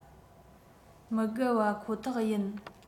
མི བརྒལ བ ཁོ ཐག ཡིན